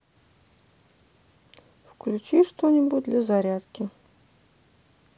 включи что нибудь для зарядки